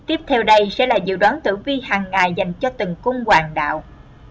tiếp theo đây sẽ là dự đoán tử vi hàng ngày dành cho từng cung hoàng đạo